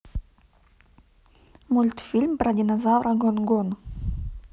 мультфильм про динозавра гон гон